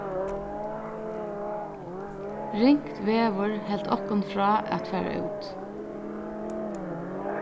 ringt veður helt okkum frá at fara út